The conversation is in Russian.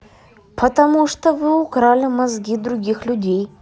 потому что вы украли мозги других людей